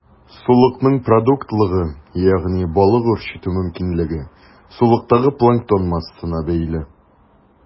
Сулыкның продуктлылыгы, ягъни балык үрчетү мөмкинчелеге, сулыктагы планктон массасына бәйле.